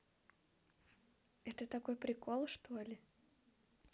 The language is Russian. это такой прикол что ли